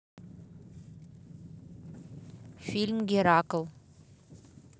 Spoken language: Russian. фильм геракл